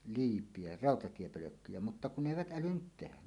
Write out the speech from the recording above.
liipiä rautatiepölkkyjä mutta kun ne eivät älynneet tehdä